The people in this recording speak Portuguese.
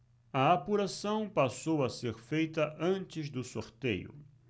a apuração passou a ser feita antes do sorteio